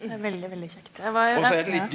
det er veldig veldig kjekt jeg var jo ja ja.